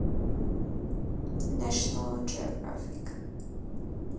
нэшэнэл джеографик